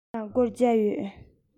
ང ལ སྒོར བརྒྱ ཡོད